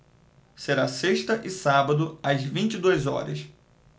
será sexta e sábado às vinte e duas horas